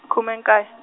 khume nkaye.